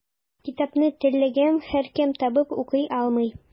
Китапны теләгән һәркем табып укый алмый.